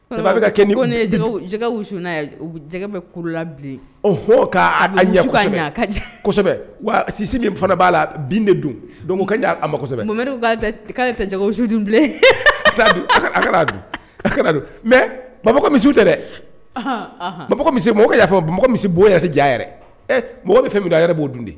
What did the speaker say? Bɛ kɛ ko ja bɛ kurula bi h k' kasɛbɛ wa sisi min fana b'a la bin dun don jan asɛbɛ su dun bilen mɛ baba misi tɛ dɛfɛ b ja yɛrɛ dɛ mɔgɔ bɛ fɛn bɛ yɛrɛ b'o dun di